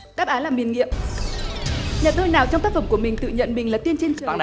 đáp án là miền nghiệm nhà thơ nào trong tác phẩm của mình tự nhận mình là tiên trên đời